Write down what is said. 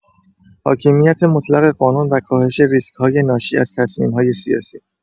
حاکمیت مطلق قانون و کاهش ریسک‌های ناشی از تصمیم‌های سیاسی